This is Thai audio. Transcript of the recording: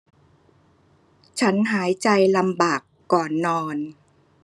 ฉันหายใจลำบากก่อนนอน